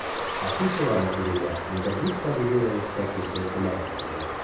Афишаларын күрүгә, миндә бик табигый рәвештә көчле теләк туды.